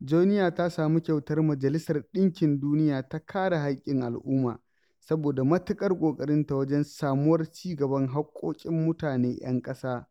Joenia ta sami kyautar Majalisar ɗinkin Duniya ta kare haƙƙin al'umma, saboda matuƙar ƙoƙarinta wajen samuwar cigaban haƙƙoƙin mutane 'yan ƙasa.